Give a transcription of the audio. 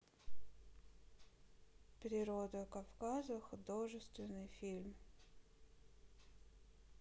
природа кавказа художественный фильм